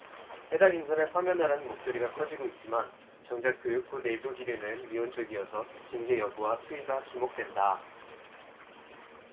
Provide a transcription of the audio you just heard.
해당 인사를 파면하라는 목소리가 커지고 있지만 정작 교육부 내부기류는 미온적이어서 징계 여부와 수위가 주목된다